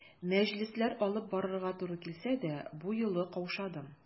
Мәҗлесләр алып барырга туры килсә дә, бу юлы каушадым.